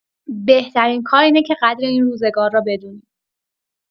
بهترین کار اینه که قدر این روزگار رو بدونیم.